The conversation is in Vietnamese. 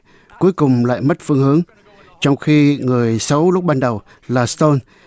cuối cùng lại mất phương hướng trong khi người xấu lúc ban đầu là sờ tôn